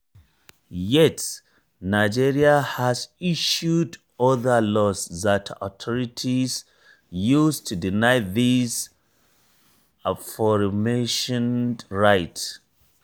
Yet, Nigeria has issued other laws that authorities use to deny these aforementioned rights.